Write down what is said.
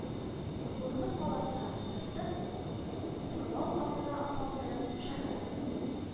Хурлык паласына утыртып, хурлау атына атландырып, шәһәр